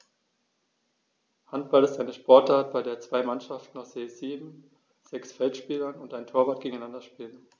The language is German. Handball ist eine Sportart, bei der zwei Mannschaften aus je sieben Spielern (sechs Feldspieler und ein Torwart) gegeneinander spielen.